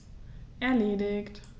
Erledigt.